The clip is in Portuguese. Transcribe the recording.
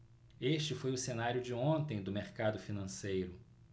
este foi o cenário de ontem do mercado financeiro